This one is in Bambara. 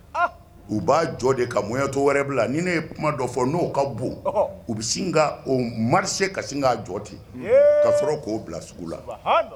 Ɔh u b'a jɔ de ka moyato wɛrɛ bila ni ne ye kuma dɔ fɔ n'o ka bon ɔhɔ u bi sin ka o marcher ka sin ŋ'a jɔ ten eeee ka sɔrɔ k'o bila sugu la subahaana